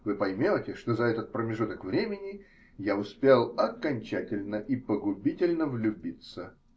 Вы поймете, что за этот промежуток времени я успел окончательно и погубительно влюбиться.